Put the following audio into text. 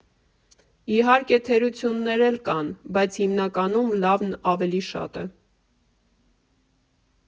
Իհարկե թերություններ էլ կան, բայց հիմնականում լավն ավելի շատ է։